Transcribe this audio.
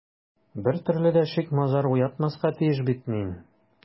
Бер төрле дә шик-мазар уятмаска тиеш бит мин...